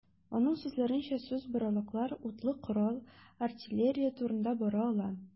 Аның сүзләренчә, сүз боралаклар, утлы корал, артиллерия турында бара ала.